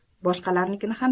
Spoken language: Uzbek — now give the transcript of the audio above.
boshqalarnikini ham